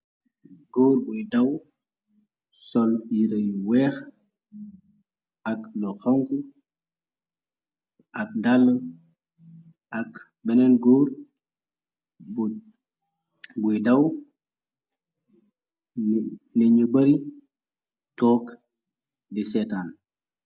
Góor buy daw sol yirayu weex ak lu xangu ak dàll ak beneen góor buy daw nit yu bari took di seetaan.